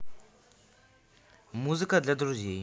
музыка для друзей